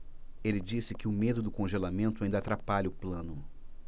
ele disse que o medo do congelamento ainda atrapalha o plano